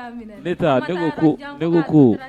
Ne taa tɛgɛ ko tɛgɛ ko